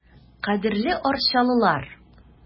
Кадерле арчалылар!